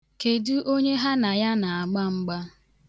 Kedu onye ha na ya na-agba mgba?